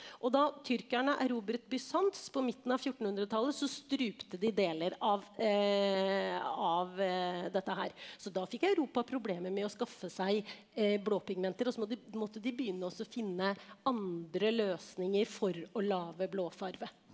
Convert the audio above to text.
og da tyrkerne erobret Bysants på midten av fjortenhundretallet så strupte de deler av av dette her, så da fikk Europa problemer med å skaffe seg blåpigmenter også må de måtte de begynne og så finne andre løsninger for å lage blåfarge.